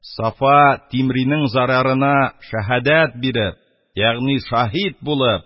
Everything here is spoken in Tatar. Сафа Тимринең зарарына шәһадәт биреп ягъни шаһит булып